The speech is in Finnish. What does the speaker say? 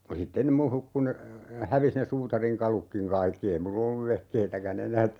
ja sitten ne minun hukkui ne hävisi ne suutarinkalutkin kaikki ei minulla ollut vehkeitäkään enää